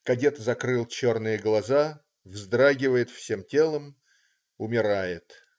Кадет закрыл черные глаза, вздрагивает всем телом, умирает.